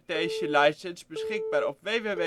1828-1978 Sjabloon:Vlagwapen